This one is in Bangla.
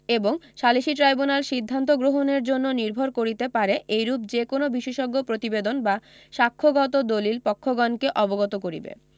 এবং সালিসী ট্রাইব্যুনাল সিদ্ধান্ত গ্রহণের জন্য নির্ভর করিতে পারে এইরূপ যে কোন বিশেষজ্ঞ প্রতিবেদন বা সাক্ষ্যগত দলিল পক্ষগণকে অবগত করিবে